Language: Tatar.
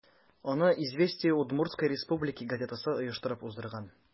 Аны «Известия Удмуртсткой Республики» газетасы оештырып уздырган.